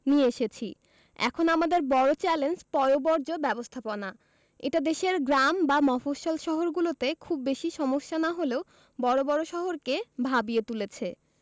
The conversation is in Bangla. নিয়ে এসেছি এখন আমাদের বড় চ্যালেঞ্জ পয়ঃবর্জ্য ব্যবস্থাপনা এটা দেশের গ্রাম বা মফস্বল শহরগুলোতে খুব বেশি সমস্যা না হলেও বড় বড় শহরকে ভাবিয়ে তুলেছে